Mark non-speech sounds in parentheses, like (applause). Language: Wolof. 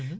(hesitation) (hesitation)